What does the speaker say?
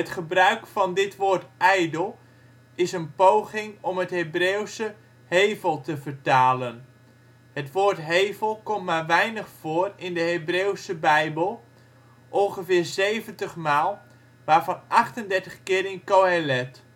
gebruik van dit woord ' ijdel ' is een poging om het Hebreeuwse ' hevel ' te vertalen. Het woord ' hevel ' komt maar weinig voor in de Hebreeuwse Bijbel: ongeveer zeventig maal, waarvan achtendertig keer in Qohelet